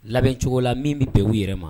Labɛn cogo la min bɛ bɛn u yɛrɛ ma